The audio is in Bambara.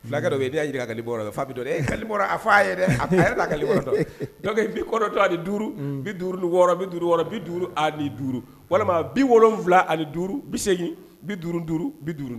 Filakɛ dɔ' y'a jira kali fa bɛ dɔli a f'a yɛrɛ ake bi kɔrɔ don a duuru bi duuru wɔɔrɔ bi duuru bi duuru ani duuru walima bi wolo wolonwula ani duuru bi segingin bi duuru duuru bi duuru